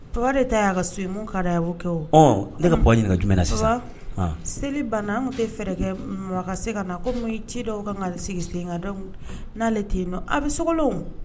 Baba de ta y'a ka so ka d da a kɛ ne ka bɔ jira ka jumɛn na sisan seli banna an tɛ fɛɛrɛ kɛ makanka se ka na komi ci dɔw kaale sigi seli ka n'ale tɛ yen nɔ aw bɛ so